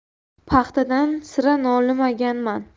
paxtadan sira nolimaganman